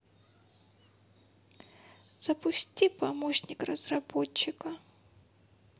запусти помощник разработчика